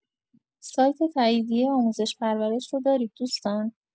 سایت تاییدیه آموزش و پرورش رو دارید دوستان؟